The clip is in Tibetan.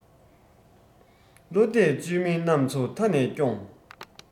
བློ གཏད བཅོལ མི རྣམས ཚོ མཐའ ནས སྐྱོངས